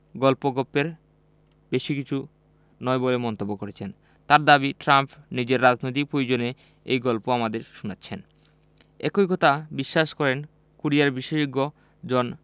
গালগপ্পের বেশি কিছু নয় বলে মন্তব্য করেছেন তাঁর দাবি ট্রাম্প নিজের রাজনৈতিক প্রয়োজনে এই গল্প আমাদের শোনাচ্ছেন একই কথা বিশ্বাস করেন কোরিয়া বিশেষজ্ঞ জন